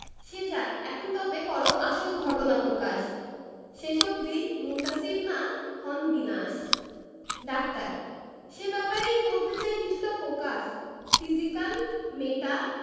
সে যাক এখন তবে করো আসল ঘটনা প্রকাশ শেষ অবধি মুনতাসীর না হন বিনাশ ডাক্তার সে ব্যাপারেই করতে চাই কিছুটা ফোকাস ফিজিক্যাল মেটা